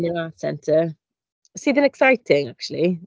New art centre sydd yn exciting acshyli.